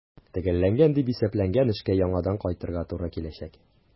Төгәлләнгән дип исәпләнгән эшкә яңадан кайтырга туры киләчәк.